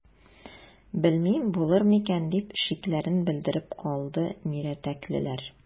Белмим, булыр микән,– дип шикләрен белдереп калды мирәтәклеләр.